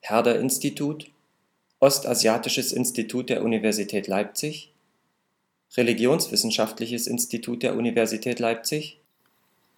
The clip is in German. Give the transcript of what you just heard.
Herder-Institut Ostasiatisches Institut der Universität Leipzig Religionswissenschaftliches Institut der Universität Leipzig